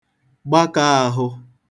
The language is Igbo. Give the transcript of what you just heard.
gbakā āhụ̄